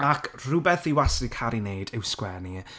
Ac, rwbeth fi wastad 'di caru 'neud, yw 'sgwennu.